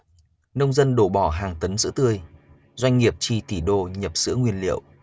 nông dân đổ bỏ hàng tấn sữa tươi doanh nghiệp chi tỷ đô nhập sữa nguyên liệu